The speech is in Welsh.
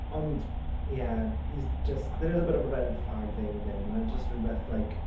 Ond ie, he's just... there is a bit of a red flag there with him. Ma' jyst rhywbeth, like...